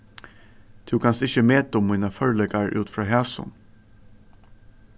tú kanst ikki meta um mínar førleikar út frá hasum